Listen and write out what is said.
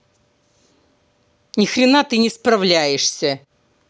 нихрена ты не справляешься